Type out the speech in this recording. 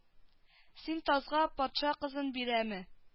Син тазга патша кызын бирәме